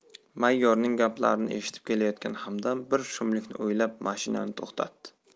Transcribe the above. mayorning gaplarini eshitib kelayotgan hamdam bir shumlikni o'ylab mashinani to'xtatdi